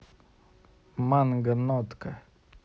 манга нотка